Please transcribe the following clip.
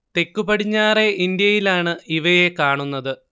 തെക്കു പടിഞ്ഞാറെ ഇന്ത്യയിലാണ് ഇവയെ കാണുന്നത്